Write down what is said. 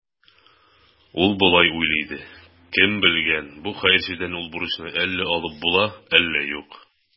Ул болай уйлый иде: «Кем белгән, бу хәерчедән ул бурычны әллә алып була, әллә юк".